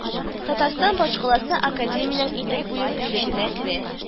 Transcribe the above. Татарстан башкаласы академиянең Идел буе бүлегенә керә